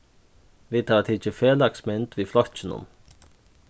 vit hava tikið felagsmynd við flokkinum